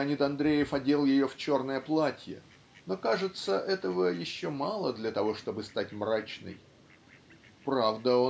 Леонид Андреев одел ее в черное платье но кажется этого еще мало для того чтобы стать мрачной правда